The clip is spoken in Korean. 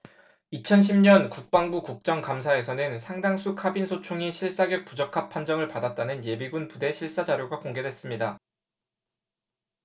이천 십 년 국방부 국정감사에서는 상당수 카빈 소총이 실사격 부적합 판정을 받았다는 예비군 부대 실사 자료가 공개됐습니다